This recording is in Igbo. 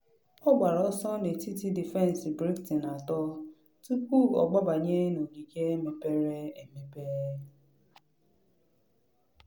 Ọ gbara ọsọ n’etiti defensi Brighton atọ, tupu ọ gbabanye n’ogige mepere emepe.